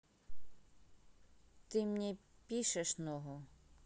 ты мне пишешь ногу